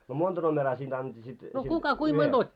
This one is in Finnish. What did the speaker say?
no monta numeroa siinä annettiin sitten siitä kerralla